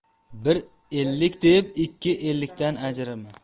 bir ellik deb ikki ellikdan ajrama